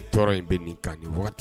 Tɔɔrɔ in bɛ nin kan nin waati